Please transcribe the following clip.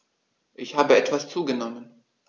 Ich habe etwas zugenommen